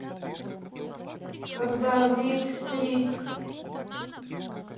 когда with крик